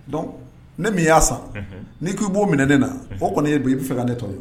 Dɔn ne min i y'a san n' koi b'o minɛ ne na fɔ kɔni e don i bɛ fɛ ka ne tɔ ye